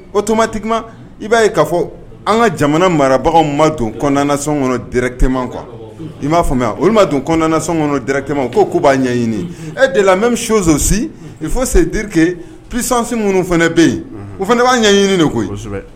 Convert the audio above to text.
O tumama tigi i b'a ye k kaa fɔ an ka jamana marabagaw ma don kɔnɔnasɔn kɔnɔ dɛrɛkɛ kuwa i m'a faamuya olu ma don kɔnɔna kɔnɔ dkɛma o ko ko b'a ɲɛɲini e de la mɛ misiso si i fɔ seyiduke psansi minnu fana bɛ yen o fana ne b'a ɲɛɲini de ko